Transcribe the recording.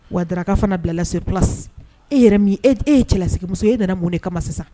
Wa draka fana bilala place e yɛrɛ min e e ye cɛlasigi muso ye e nana mun de kama sisan?